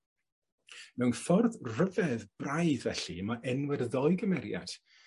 Mewn ffordd rhyfedd braidd felly, ma' enwed y ddou gymeriad